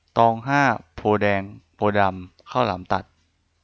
ตองห้าโพธิ์แดงโพธิ์ดำข้าวหลามตัด